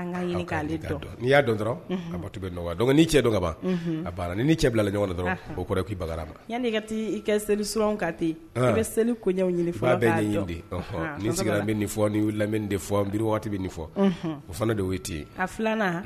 Y'a dɔn dɔrɔnto bɛ n'i cɛ dɔ kaba a ni cɛ bilala ɲɔgɔn dɔrɔn o kɔrɔ k'i ba ma yan ne ka i kɛ seli ka ten bɛ seli kow ɲini fɔ an bɛ ɲini de ni sigira bɛ nin fɔ ni lamɛn de fɔ n biri waati bɛ nin fɔ o fana de ye ten a filanan